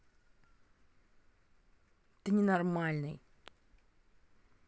ты ненормальный